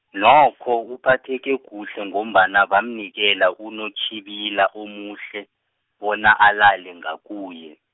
nokho uphatheke kuhle ngombana bamnikela unontjhibila omuhle, bona alale ngakuye.